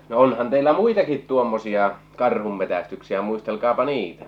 no onhan teillä muitakin tuommoisia karhunmetsästyksiä muistelkaapa niitä